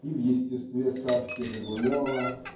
и в естестве Сашки Жегулева